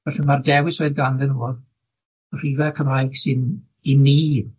felly ma'r dewis oedd ganddyn nhw o'dd rhife Cymraeg sy'n i ni